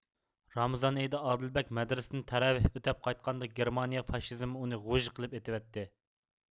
رامزان ئېيىدا ئادىلبەگ مەدرىسىدىن تەرەۋىھ ئۆتەپ قايتقاندا گېرمانىيە فاشىزمى ئۇنى غۇژ قىلىپ ئېتىۋەتتى